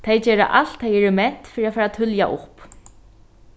tey gera alt tey eru ment fyri at fara tíðliga upp